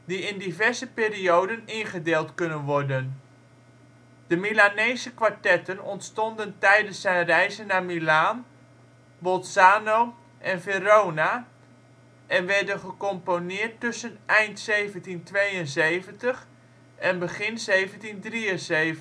in diverse perioden ingedeeld kunnen worden. De Milanese kwartetten ontstonden tijdens zijn reizen naar Milaan, Bolzano en Verona en werden gecomponeerd tussen eind 1772 en begin 1773 (KV 155-160